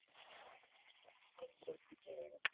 концерт митяева